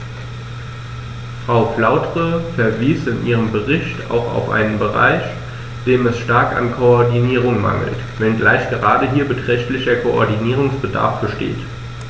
Frau Flautre verwies in ihrem Bericht auch auf einen Bereich, dem es stark an Koordinierung mangelt, wenngleich gerade hier beträchtlicher Koordinierungsbedarf besteht.